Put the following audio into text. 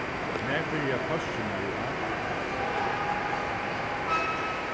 nær byrja páskirnar í ár